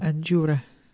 Yn Jura.